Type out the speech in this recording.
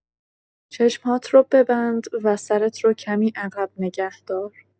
چشم‌هات رو ببند و سرت رو کمی عقب نگه دار.